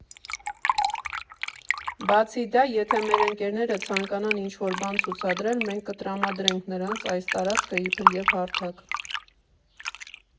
Բացի դա, եթե մեր ընկերները ցանկանան ինչ֊որ բան ցուցադրել, մենք կտրամադրենք նրանց այս տարածքն իբրև հարթակ։